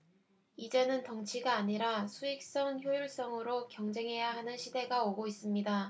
이제는 덩치가 아니라 수익성 효율성으로 경쟁해야 하는 시대가 오고 있습니다